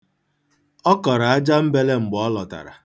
Ọ kọrọ ajambele mgbe ọ lọtara.